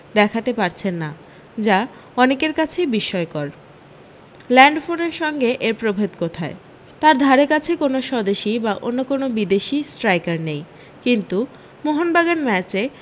দেখাতে পারছেন না যা অনেকের কাছেই বিসময়কর ল্যান্ডফোনের সঙ্গে এর প্রভেদ কোথায় তার ধারেকাছে কোনও স্বদেশি বা অন্য কোনও বিদেশি স্ট্রাইকার নেই কিন্তু মোহন বাগান ম্যাচে